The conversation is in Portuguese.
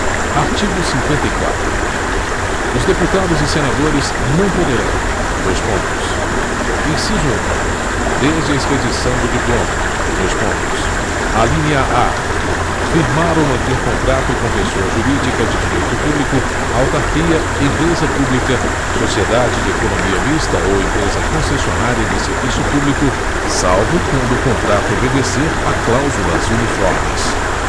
artigo cinquenta e quatro os deputados e senadores não poderão dois pontos inciso um desde a expedição do diploma dois pontos alínea a firmar ou manter contrato com pessoa jurídica de direito público autarquia empresa pública sociedade de economia mista ou empresa concessionária de serviço público salvo quando o contrato obedecer a cláusulas uniformes